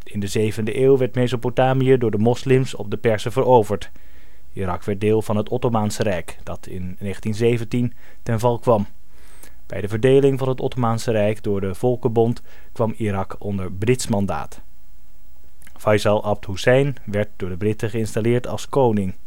7de eeuw werd Mesopotamië door moslims op de Perzen veroverd. Irak werd deel van het Ottomaanse Rijk, dat in 1917 ten val kwam. Bij de verdeling van het Ottomaanse Rijk door de Volkenbond kwam Irak onder Brits mandaat. Faisal Ibn Hoessein werd door de Britten geïnstalleerd als koning